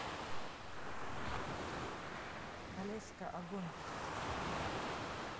олежка огонь